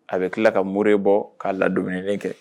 A be tila ka mure bɔ ka ladumunini kɛ